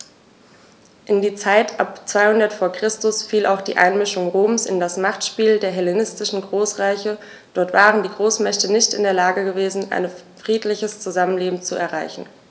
In die Zeit ab 200 v. Chr. fiel auch die Einmischung Roms in das Machtspiel der hellenistischen Großreiche: Dort waren die Großmächte nicht in der Lage gewesen, ein friedliches Zusammenleben zu erreichen.